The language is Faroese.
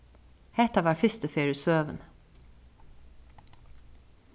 hetta var fyrstu ferð í søguni